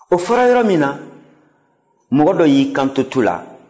o fɔra yɔrɔ min na mɔgɔ dɔ y'i kanto tu la